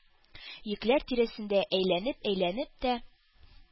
Йөкләр тирәсендә әйләнеп-әйләнеп тә